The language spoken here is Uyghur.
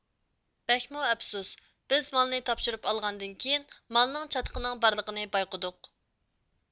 بەكمۇ ئەپسۇس بىز مالنى تاپشۇرۇپ ئالغاندىن كېيىن مالنىڭ چاتىقىنىڭ بارلىقىنى بايقىدۇق